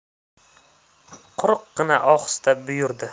quruqqina ohista buyurdi